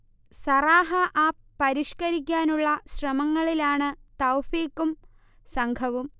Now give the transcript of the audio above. Sarahah app പരിഷ്കരിക്കാനുള്ള ശ്രമങ്ങളിലാണ് തൗഫീഖും സംഘവും